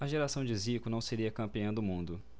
a geração de zico não seria campeã do mundo